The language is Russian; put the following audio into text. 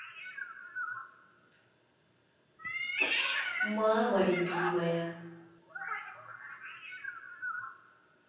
мама любимая